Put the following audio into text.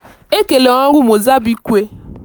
Ekele ọrụ Mozambique!